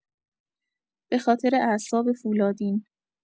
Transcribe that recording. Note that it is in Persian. به‌خاطر اعصاب فولادین